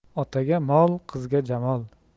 otaga mol qizga jamol